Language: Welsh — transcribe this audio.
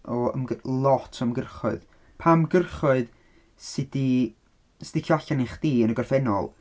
O ymg- lot o ymgyrchoedd. Pa ymgyrchoedd sydd 'di sticio allan i chdi yn y gorffennol?